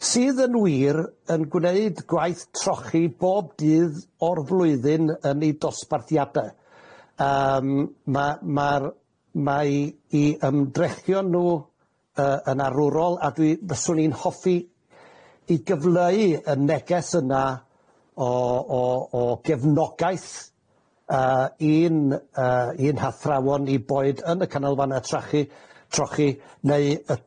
sydd yn wir yn gwneud gwaith trochi bob dydd o'r flwyddyn yn eu dosbarthiada yym ma' ma'r mai 'i ymdrechion nw yy yn arwrol a dwi fyswn i'n hoffi i gyfleu y neges yna o o o gefnogaeth yy i'n yy i'n hathrawon ni boed yn y canolfane trachi trochi neu y